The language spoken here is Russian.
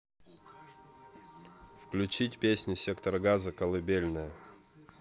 включить песню сектор газа колыбельная